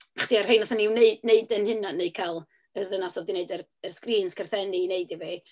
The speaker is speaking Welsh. Achos ia, rhai wnaethon ni neu- wneud ein hunain neu cael y ddynes oedd 'di wneud yr yr screens carthenni eu wneud i fi.